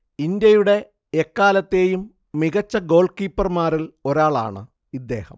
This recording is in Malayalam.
ഇന്ത്യയുടെ എക്കാലത്തെയും മികച്ച ഗോൾ കീപ്പർമാരിൽ ഒരാളാണ് ഇദ്ദേഹം